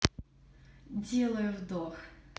делаю вдох